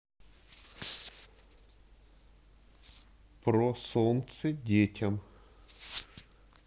про солнце детям